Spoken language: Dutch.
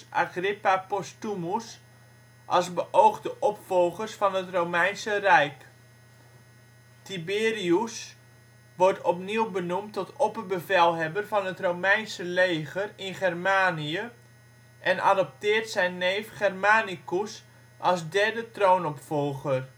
Agrippa Postumus als beoogde opvolgers van het Romeinse Rijk. Tiberius wordt opnieuw benoemd tot opperbevelhebber van het Romeinse leger in Germanië en adopteert zijn neef Germanicus als derde troonopvolger